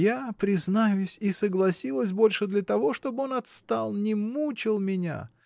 Я, признаюсь, и согласилась больше для того, чтоб он отстал, не мучил меня